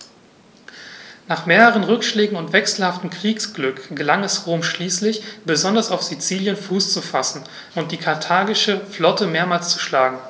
Nach mehreren Rückschlägen und wechselhaftem Kriegsglück gelang es Rom schließlich, besonders auf Sizilien Fuß zu fassen und die karthagische Flotte mehrmals zu schlagen.